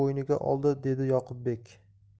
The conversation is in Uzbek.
bo'yniga oldi dedi yoqubbek